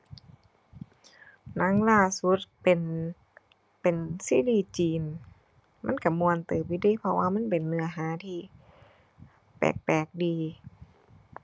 หนังล่าสุดเป็น เป็น ซีรีส์จีน มันก็ม่วนเติบอยู่เดะ เพราะว่ามันเป็นเนื้อหาที่แปลกแปลกดี